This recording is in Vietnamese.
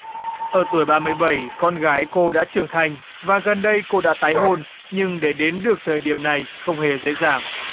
ở tuổi ba mươi bảy con gái cô đã trưởng thành và gần đây cô đã tái hôn nhưng để đến được thời điểm này không hề dễ dàng